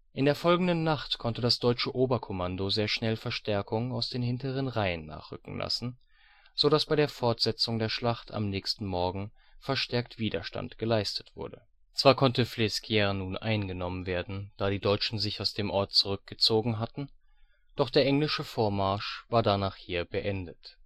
In der folgenden Nacht konnte das deutsche Oberkommando sehr schnell Verstärkung aus den hinteren Reihen nachrücken lassen, so dass bei der Fortsetzung der Schlacht am nächsten Morgen verstärkt Widerstand geleistet wurde. Zwar konnte Flesquières nun eingenommen werden, da die Deutschen sich aus dem Ort zurückgezogen hatten, doch der englische Vormarsch war danach hier beendet